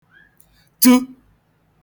tu